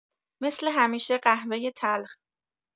مثل همیشه قهوۀ تلخ